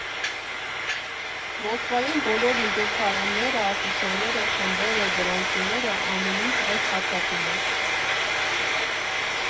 Մոսկվայում բոլոր միջոցառումները, աֆիշաները, խմբերը, գրանցումները՝ ամեն ինչ այդ հարթակում է։